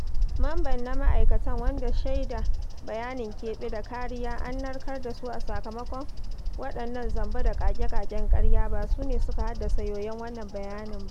Mamban na ma'aikatana - wanda shaida, bayanin keɓe, da kariya an narkar da su a sakamakon waɗannan zambo da ƙage-ƙagen ƙarya - ba su ne suka haddasa yoyon wannan bayanin ba.